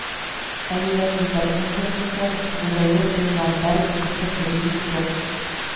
Әллә милләтнең йокысы Гозәер пәйгамбәр йокысы кеби микән